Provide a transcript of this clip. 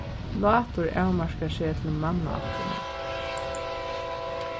látur avmarkar seg til mannaættina